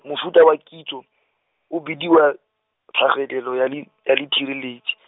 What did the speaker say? mofuta a wa kitso, o bidiwa, tlhagelelo ya li-, ya lithireletsi .